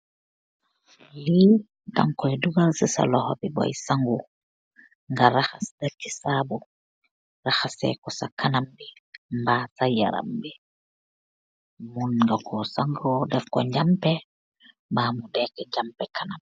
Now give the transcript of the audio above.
Lii dangkoi dugal c sa lokho bi boi sangu, nga rahass def chi saabu, rahaseh kor sa kanam bi mba sa yaram bi, mun nga kor sangor def kor njampeh mba mu neki njampeh Kanam.